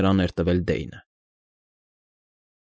Նրան էր տվել Դեյնը։ ֊